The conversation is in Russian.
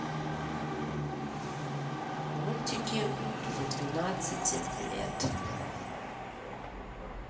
мультики для двенадцати лет